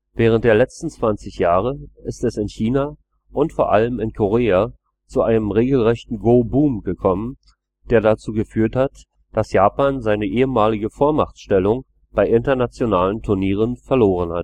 Während der letzten 20 Jahre ist es in China und vor allem in Korea zu einem regelrechten Go-Boom gekommen, der dazu geführt hat, dass Japan seine ehemalige Vormachtstellung bei internationalen Turnieren verloren